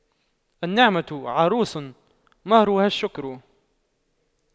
النعمة عروس مهرها الشكر